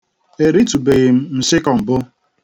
Eritụbeghị m nshịkọ mbụ.